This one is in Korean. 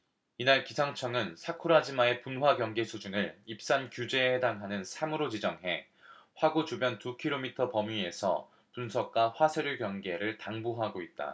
이날 기상청은 사쿠라지마의 분화 경계 수준을 입산 규제에 해당하는 삼 으로 지정해 화구 주변 두 키로미터범위에서 분석과 화쇄류 경계를 당부하고 있다